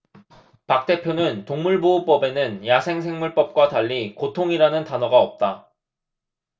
박 대표는 동물보호법에는 야생생물법과 달리 고통이라는 단어가 없다